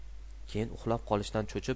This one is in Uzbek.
keyin uxlab qolishdan cho'chib